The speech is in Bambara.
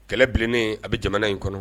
Kɛlɛ bilennen a bɛ jamana in kɔnɔ